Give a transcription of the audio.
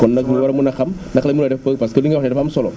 kon nag ñu war a mën a xam naka lañ mën adef parce que li nga wax nii dafa am solo